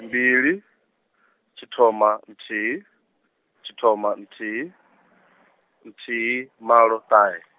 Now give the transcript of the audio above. mbili, tshithoma nthihi, tshithoma nthihi, nthihi malo ṱahe .